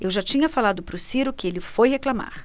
eu já tinha falado pro ciro que ele foi reclamar